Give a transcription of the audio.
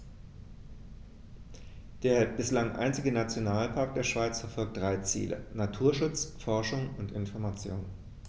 Der bislang einzige Nationalpark der Schweiz verfolgt drei Ziele: Naturschutz, Forschung und Information.